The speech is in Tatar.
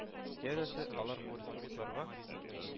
Янәсе, алар бу республикаларга